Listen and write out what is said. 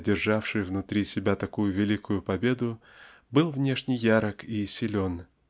одержавший внутри себя такую великую победу был внешне ярок и силен.